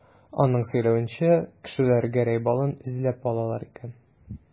Аның сөйләвенчә, кешеләр Гәрәй балын эзләп алалар икән.